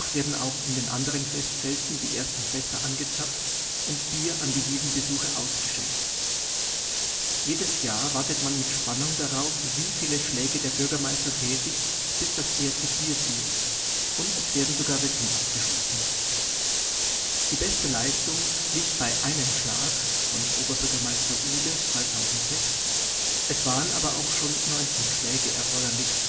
werden auch in den anderen Festzelten die ersten Fässer angezapft und Bier an die Wiesnbesucher ausgeschenkt. Jedes Jahr wartet man mit Spannung darauf, wie viele Schläge der Bürgermeister tätigt, bis das erste Bier fließt und es werden sogar Wetten abgeschlossen. Die beste Leistung liegt bei einem Schlag (Ude, 2006), es waren aber auch schon 19 Schläge erforderlich